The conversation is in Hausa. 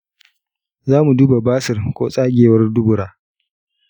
za mu duba basir ko tsagewar dubura.